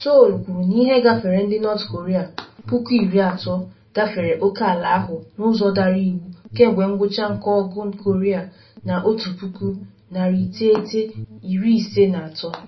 Seoul kwuru na ihe gafere ndị North Korea 30,000 gafere oke ala ahụ n’ụzọ dara iwu kemgbe ngwụcha nke Ọgụ Korea na 1953.